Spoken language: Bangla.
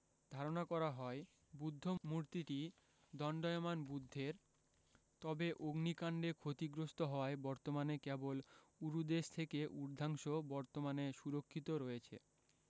ধারণা করা হয় বুদ্ধমূর্তিটি দন্ডায়মান বুদ্ধের তবে অগ্নিকান্ডে ক্ষতিগ্রস্থ হওয়ায় বর্তমানে কেবল উরুদেশ থেকে উর্ধ্বাংশ বর্তমানে সুরক্ষিত রয়েছে